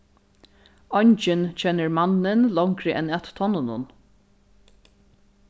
eingin kennir mannin longri enn at tonnunum